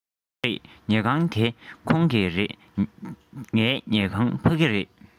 མ རེད ཉལ ཁང འདི ཁོང གི རེད ངའི ཉལ ཁང ཕ གི རེད